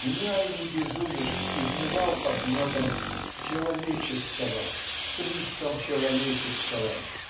Гениальный безумец изнывал под гнетом "человеческого слишком человеческого"